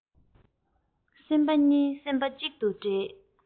སེམས པ གཉིས སེམས པ གཅིག ཏུ འདྲེས